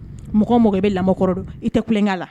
Mɔgɔ mɔgɔ bɛ lamɔkɔrɔ don i tɛ kuka la